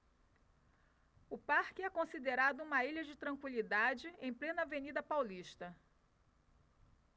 o parque é considerado uma ilha de tranquilidade em plena avenida paulista